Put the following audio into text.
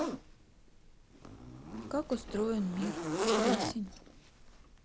как устроен мир плесень